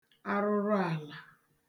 arụrụàlà